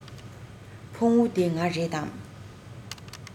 ཕུང བོ འདི ང རེད དམ